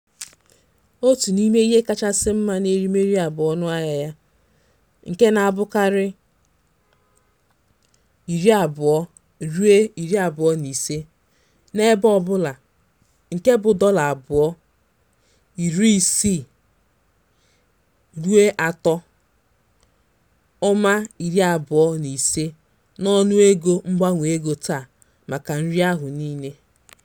Otu n'ime ihe kachasị mma n'erimeri a bụ ọnụahịa ya, nke na-abụkarị 20-25 DH n'ebe ọbụla nke bụ $ 2.60-3.25 n'ọnụego mgbanwe ego taa- maka nri ahụ niile!